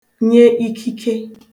nye ikike